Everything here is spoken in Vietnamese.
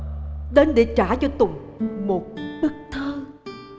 đến để trả cho tùng một bức thơ